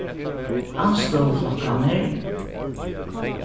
andstøðuflokkarnir